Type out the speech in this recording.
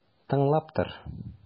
Тыңлап тор!